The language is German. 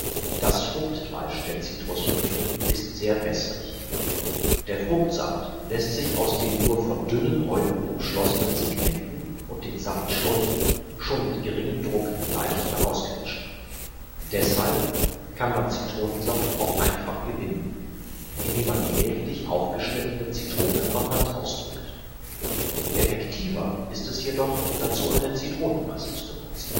Das Fruchtfleisch der Zitrusfrüchte ist sehr wässrig. Der Fruchtsaft lässt sich aus den nur von dünnen Häuten umschlossenen Segmenten und den Saftschläuchen schon mit geringem Druck leicht herausquetschen. Deshalb kann man Zitronensaft auch einfach gewinnen, indem man die hälftig aufgeschnittene Zitrone von Hand ausdrückt. Effektiver ist es jedoch, dazu eine Zitronenpresse zu benutzen